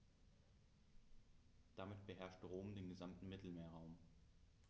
Damit beherrschte Rom den gesamten Mittelmeerraum.